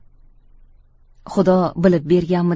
xudo bilib berganmi